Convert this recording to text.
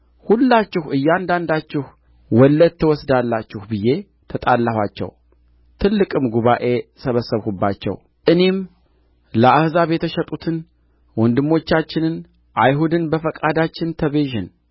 ሁላችሁ እያንዳንዳችሁ ወለድ ትወስዳላችሁ ብዬ ተጣላኋቸው ትልቅም ጉባኤ ሰበሰብሁባቸው እኔም ለአሕዛብ የተሸጡትን ወንድሞቻችንን አይሁድን በፈቃዳችን ተቤዠን